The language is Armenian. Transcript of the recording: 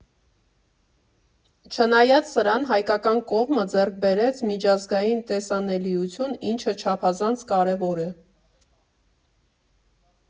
Չնայած սրան, հայկական կողմը ձեռք բերեց միջազգային տեսանելիություն, ինչը չափազանց կարևոր է։